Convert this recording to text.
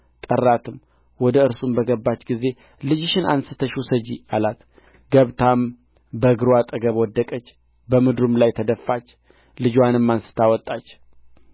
በቤቱ ውስጥ አንድ ጊዜ ወዲህና ወዲያ ተመላለሰ ደግሞም ወጥቶ ሰባት ጊዜ በሕፃኑ ላይ ተጋደመ ሕፃኑም ዓይኖቹን ከፈተ ግያዝንም ጠርቶ ይህችን ሱነማዊት ጥራ አለው